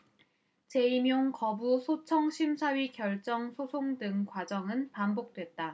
재임용 거부 소청 심사위 결정 소송 등 과정은 반복됐다